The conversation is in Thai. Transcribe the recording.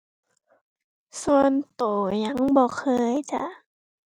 ส่วนตัวยังบ่เคยจ้ะ